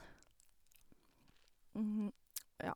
Ja.